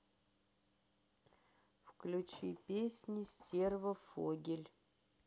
включи песни стерва фогель